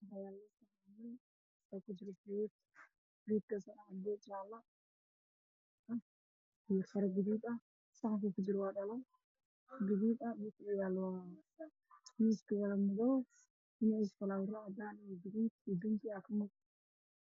Meeshan waxaa yeelay miis xasaran saxamiin dhalo ah waxaa ku jiraan khudaar guduuda ah